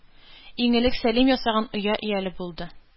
Иң элек Сәлим ясаган оя ияле булды.